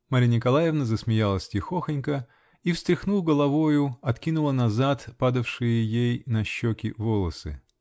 Марья Николаевна засмеялась тихохонько и, встряхнув головою, откинула назад падавшие ей на щеки волосы.